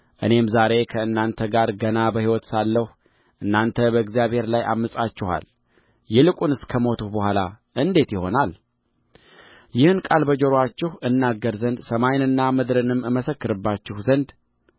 እኔም ዛሬ ከእናንተ ጋር ገና በሕይወት ሳለሁ እናንተ በእግዚአብሔር ላይ ዐምፃችኋል ይልቁንስ ከሞትሁ በኋላ እንዴት ይሆናል ይህን ቃል በጆሮአቸው እናገር ዘንድ ሰማይንና ምድርንም አስመሰክርባቸው ዘንድ